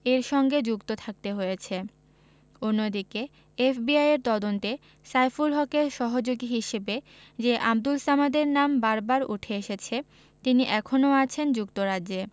এর সঙ্গে যুক্ত থাকতে হয়েছে অন্যদিকে এফবিআইয়ের তদন্তে সাইফুল হকের সহযোগী হিসেবে যে আবদুল সামাদের নাম বারবার উঠে এসেছে তিনি এখনো আছেন যুক্তরাজ্যে